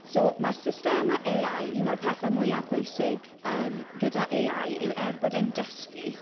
So ma' systemau AI... Un o'r pethau mwyaf pwysig yym gyda AI yw er bod e'n dysgu...